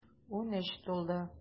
Унөч тулды.